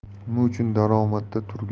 nima uchun daromadda